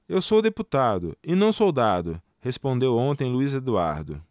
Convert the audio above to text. eu sou deputado e não soldado respondeu ontem luís eduardo